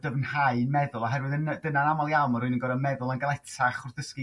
dyfnhau meddwl oherwydd yn dyna'n amal iawn ma' rwy'n gor'o meddwl yn galetach wrth ddysgu